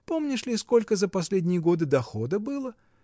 Помнишь ли, сколько за последние года дохода было?